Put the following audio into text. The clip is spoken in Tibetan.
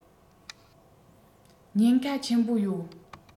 ཉེན ཁ ཆེན པོ ཡོད